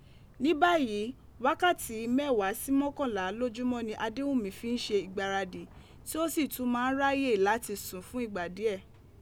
Ni bayi wakati mẹwa si mọkanla lojumọ ni Adewumi fi n ṣe igbaradi ti o si tun maa n raye lati sun fun igba diẹ,